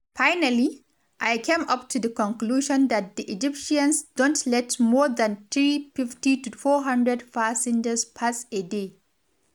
Finally, I came up to the conclusion that the Egyptians don’t let more than 350-400 passengers pass a day.